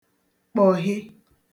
kpọ̀he